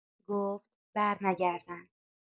گفت برنگردم.